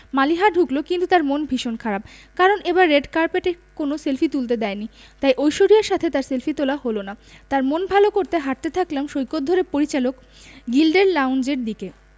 মালিহা ঢুকলো কিন্তু তার মন ভীষণ খারাপ কারণ এবার রেড কার্পেটে কোনো সেলফি তুলতে দেয়নি তাই ঐশ্বরিয়ার সাথে তার সেলফি তোলা হলো না তার মন ভালো করতে হাঁটতে থাকলাম সৈকত ধরে পরিচালক গিল্ডের লাউঞ্জের দিকে